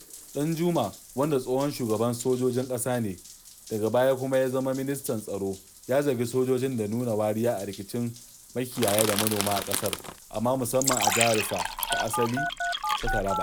ɗanjuma, wanda tsohon shugaban sojojin ƙasa ne, daga baya kuma ya zama ministan tsaro, ya zargi sojojin da nuna wariya a rikicin makiyaya da manoma a ƙasar, amma musamman a jiharsa ta asali ta Taraba.